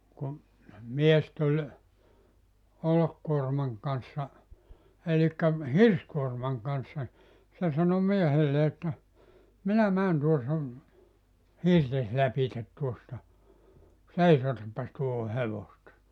kun mies tuli olkikuorman kanssa eli hirsikuorman kanssa se sanoi miehelle että minä menen tuon sinun hirtesi lävitse tuosta seisotapas tuohon hevosta